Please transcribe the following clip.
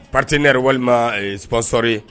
Patite ne yɛrɛ walimapsɔɔri